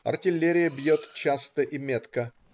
Артиллерия бьет часто и метко.